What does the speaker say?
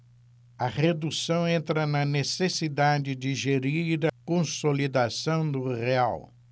a redução entra na necessidade de gerir a consolidação do real